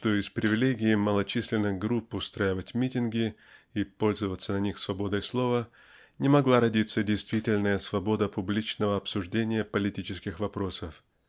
что из привилегии малочисленных групп устраивать митинги и пользоваться на них свободой слова не могла родиться действительная свобода публичного обсуждения политических вопросов